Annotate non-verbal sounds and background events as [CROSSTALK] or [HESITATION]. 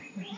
[HESITATION] [HESITATION]